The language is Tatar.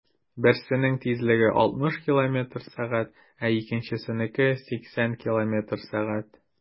Берсенең тизлеге 60 км/сәг, ә икенчесенеке - 80 км/сәг.